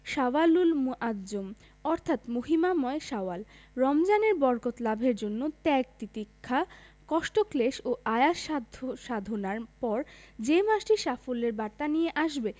শাওয়ালুল মুআজ্জম অর্থাৎ মহিমাময় শাওয়াল রমজানের বরকত লাভের জন্য ত্যাগ তিতিক্ষা কষ্টক্লেশ ও আয়াস সাধ্য সাধনার পর যে মাসটি সাফল্যের বার্তা নিয়ে আসবে